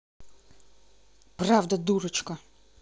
правда дурочка